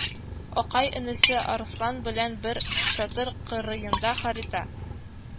Акай энесе Арслан белән бер чатыр кырыенда харита